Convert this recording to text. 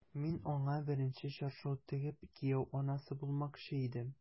Мин аңа беренче чаршау тегеп, кияү анасы булмакчы идем...